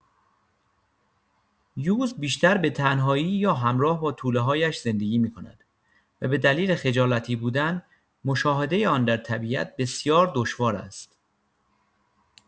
یوز بیشتر به‌تنهایی یا همراه با توله‌هایش زندگی می‌کند و به دلیل خجالتی بودن، مشاهده آن در طبیعت بسیار دشوار است.